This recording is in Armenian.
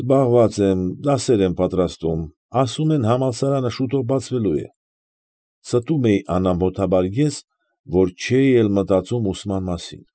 Զբաղված եմ, դասեր եմ պատրաստում, ասում են համալսարանը շուտով բացվելու է, ֊ ստում էի անամոթաբար ես, որ չէի էլ մտածում ուսման մասին։